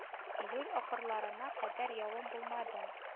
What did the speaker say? Июль ахырларына кадәр явым булмады